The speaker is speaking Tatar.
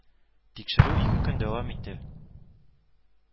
Тикшерү ике көн дәвам итә